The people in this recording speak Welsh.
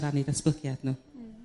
O ran 'u ddatblygiad nhw.